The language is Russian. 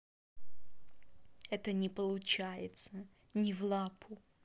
это не получается не в лапу